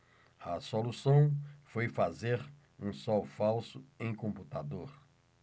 a solução foi fazer um sol falso em computador